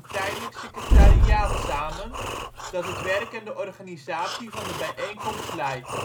tijdelijk secretariaat samen, dat het werk en de organisatie van de bijeenkomst leidt